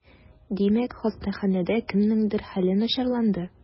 Димәк, хастаханәдә кемнеңдер хәле начарланды?